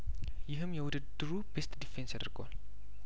ይህም የውድድሩ ቤስት ዲፌን ስያደርገዋል